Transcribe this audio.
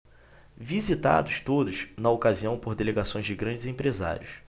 visitados todos na ocasião por delegações de grandes empresários